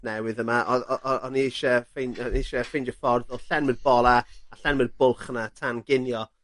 newydd yma odd o- o- o'n i eisie ffein- yy eisie ffeindio ffordd o llenwi'r bola a llenwi'r bwlch yna tan ginio.